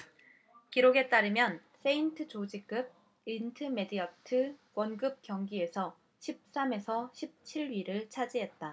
기록에 따르면 세인트조지급 인트메디어트 원급 경기에서 십 삼 에서 십 칠 위를 차지했다